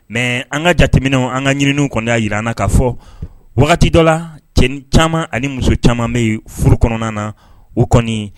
Mɛ an ka jateminɛw an ka ɲininiw kɔnidiya jiraran na ka fɔ wagati dɔ la cɛ caman ani muso caman bɛ furu kɔnɔna na u kɔni